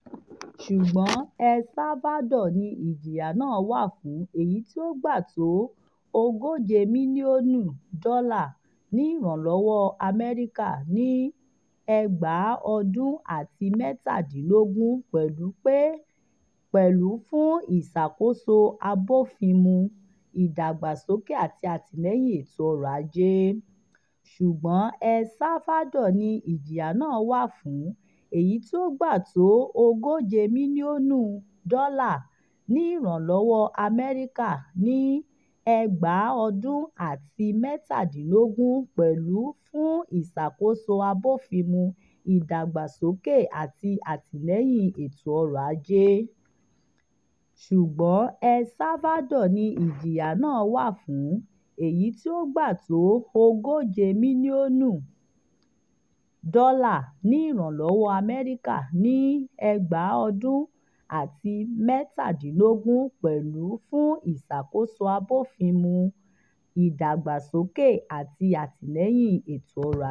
Ṣùgbọ́n El Salvador ni ìjìyà náà wà fún, èyití ó gbà tó $ 140 milionu ní ìrànlọ́wọ́ Amẹ́ríkà ní ọdún 2017, pẹ̀lú fún ìṣàkóso abófimu, ìdàgbàsókè àti àtìlẹ́yìn ètò ọrọ̀ ajé.